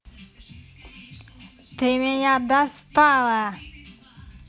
ты меня достала